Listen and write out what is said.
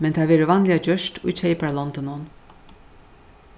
men tað verður vanliga gjørt í keyparalondunum